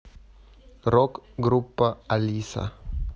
рок группа алиса